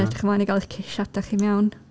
Edrych ymlaen i gael eich ceisiadau chi mewn.